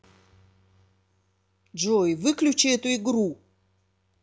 джой выключи эту игру